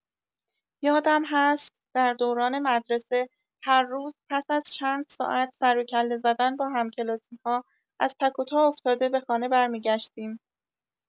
یادم هست در دوران مدرسه، هر روز پس از چند ساعت سر و کله زدن با همکلاسی‌ها، از تک و تا افتاده، به خانه برمی‌گشتیم.